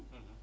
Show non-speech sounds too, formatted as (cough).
(hesitation) (hesitation)